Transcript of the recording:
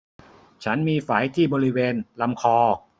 ฉันมีไฝที่บริเวณลำคอ